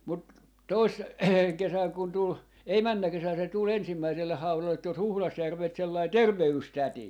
mutta - kesänä kun tuli ei menneenä kesänä se tuli ensimmäiselle haudalle tuossa Huhdasjärveltä sellainen terveystäti